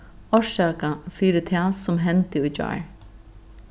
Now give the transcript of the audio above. orsaka fyri tað sum hendi í gjár